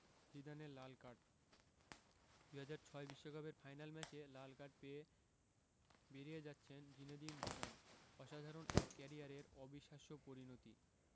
জিদানের লাল কার্ড ২০০৬ বিশ্বকাপের ফাইনাল ম্যাচে লাল কার্ড পেয়ে বেরিয়ে যাচ্ছেন জিনেদিন জিদান অসাধারণ এক ক্যারিয়ারের অবিশ্বাস্য পরিণতি